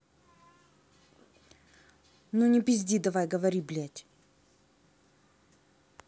ну не пизди давай говори блядь